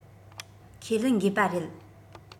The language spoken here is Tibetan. ཁས ལེན འགོས པ རེད